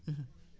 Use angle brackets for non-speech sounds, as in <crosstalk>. <hesitation> <hesitation>